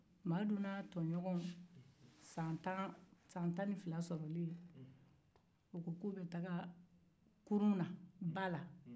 madu n'a tɔɲɔgɔn ye san tan ni fil sɔrɔ min ke u ko k'u taa kurun na